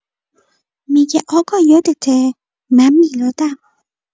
می‌گه آقا یادته من میلادم.